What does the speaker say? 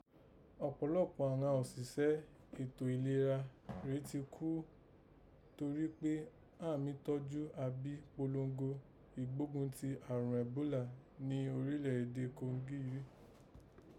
Ọ̀pọ̀lọpọ̀ àghan òṣìṣẹ́ ètò ìlera rèé ti kú torí pé àán mi tọ́jú àbí polongo ìgbógun ti àrùn ẹ̀bólà ni orílẹ̀ èdè Kongi rin